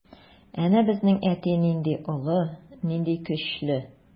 Әнә безнең әти нинди олы, нинди көчле.